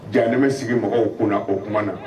Jaa nemɛ sigi mɔgɔw kunna o tuma na